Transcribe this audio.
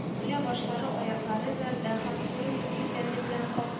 (үлә башлары аякларга бәрелә һәм колын бөтен тәне белән кал